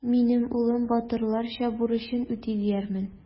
Минем улым батырларча бурычын үти диярмен.